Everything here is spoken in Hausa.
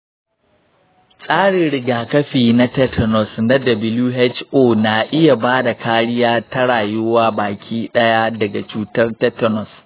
tsarin rigakafi na tetanus na who na iya ba da kariya ta rayuwa baki ɗaya daga cutar tetanus.